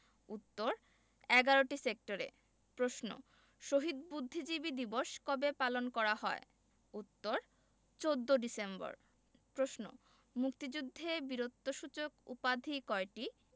উত্তর ১১টি সেক্টরে প্রশ্ন শহীদ বুদ্ধিজীবী দিবস কবে পালন করা হয় উত্তর ১৪ ডিসেম্বর প্রশ্ন মুক্তিযুদ্ধে বীরত্বসূচক উপাধি কয়টি